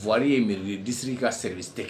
Wwa ye disiri ka sɛ tɛ